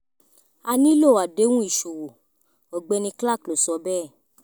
"A nílò àdéhùn ìṣòwò,” Ọ̀gbẹ́ni Clark ló sọ bẹ́ẹ̀.